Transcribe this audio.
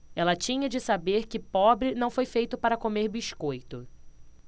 ela tinha de saber que pobre não foi feito para comer biscoito